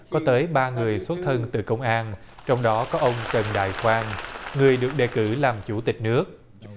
có tới ba người xuất thân từ công an trong đó có ông trần đại quang người được đề cử làm chủ tịch nước